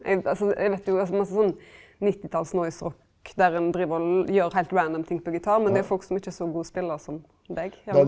eg altså eg veit jo altså masse sånn nittitals noiserock der ein driv og gjer heilt random ting på gitar, men det er folk som ikkje er så god å spele som deg gjerne.